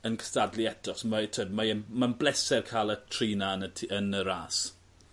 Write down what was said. yn cystadlu eto t'wod mae e'n ma'n bleser ca'l y tri 'na yn y tî- yn y ras.